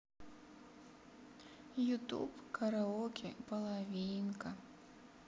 ютуб караоке половинка